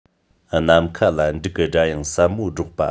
ནམ མཁའ ལ འབྲུག གི སྒྲ དབྱངས ཟབ མོ སྒྲོག པ